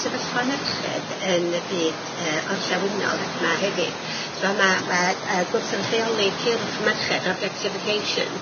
Ma' y sefyllfa merched yn y byd yy orllewinol he- 'ma hefyd t'wod ma' ma' yy gwrthrychiolu cyrff merched objectification